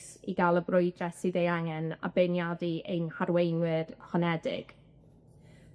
i ga'l y brwydre sydd ei angen, a beirniadu ein harweinwyr honedig.